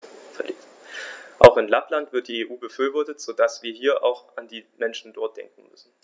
Auch in Lappland wird die EU befürwortet, so dass wir hier auch an die Menschen dort denken müssen.